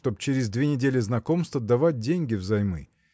чтоб через две недели знакомства давать деньги взаймы.